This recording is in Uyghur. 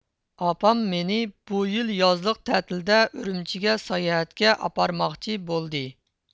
ئاپام مېنى بۇ يىل يازلىق تەتىلدە ئۈرۈمچىگە ساياھەتكە ئاپارماقچى بولدى